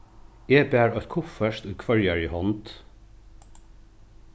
eg bar eitt kuffert í hvørjari hond